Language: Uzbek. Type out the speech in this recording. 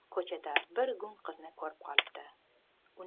ko'chada bir gung qizni ko'rib qopti